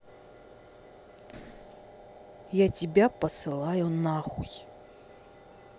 я тебя посылаю нахуй